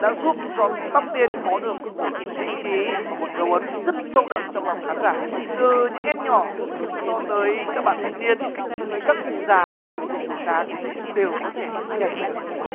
đã giúp cho tóc tiên có được một vị trí và một dấu ấn rất sâu đậm trong lòng khán giả từ những em nhỏ cho tới các bạn thanh niên cho tới các cụ già tập thể dục buổi sáng đều có thể nhảy được